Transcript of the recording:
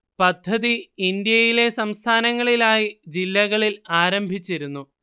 പദ്ധതി ഇന്ത്യയിലെ സംസ്ഥാനങ്ങളിലായി ജില്ലകളിൽ ആരംഭിച്ചിരുന്നു